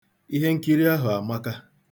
Ihenkiri ahụ amaka.